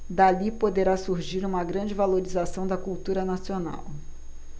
dali poderá surgir uma grande valorização da cultura nacional